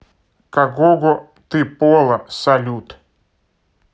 какого ты пола салют